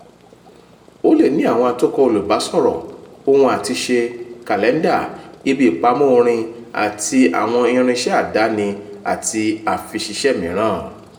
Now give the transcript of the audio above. Ó le ní àwọn àtòkọ olùbásọ̀rọ̀, ohun-àti-ṣe, kàlẹ́ńdà, ibi ìpamọ́ orin àti àwọn irinṣẹ́ àdáni àti àfyṣiṣẹ́ mìràn.